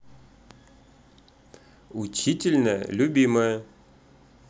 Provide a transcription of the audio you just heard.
учительная любимая